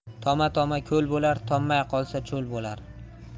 toma toma ko'l bo'lar tommay qolsa cho'l bo'lar